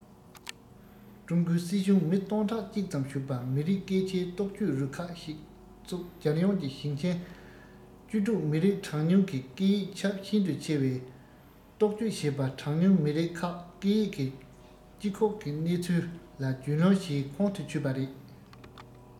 ཀྲུང གོའི སྲིད གཞུང མི སྟོང ཕྲག གཅིག ཙམ ཞུགས པ མི རིགས སྐད ཆའི རྟོག དཔྱོད རུ ཁག ཤིག བཙུགས རྒྱལ ཡོངས ཀྱི ཞིང ཆེན ༡༦ མི རིགས གྲངས ཉུང གི སྐད ཡིག ཁྱབ ཤིན ཏུ ཆེ བའི རྟོག དཔྱོད བྱས པ གྲངས ཉུང མི རིགས ཁག སྐད ཡིག གི སྤྱི ཁོག གི གནས ཚུལ ལ རྒྱུས ལོན བྱས ཁོང དུ ཆུད པ རེད